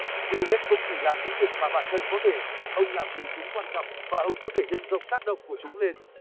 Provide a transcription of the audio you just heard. bill gates không chỉ làm những việc mà bản thân có thể ông làm vì chúng quan trọng và ông có thể nhân rộng tác động của chúng lên